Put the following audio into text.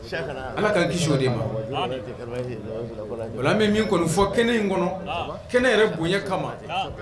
Sɛkɛna, Ala ka kisi o de ma, amina, o la an bɛ min kɔni fɔ kɛnɛ in kɔnɔ, ɔn, kɛnɛ yɛrɛ bonya kama, ɔn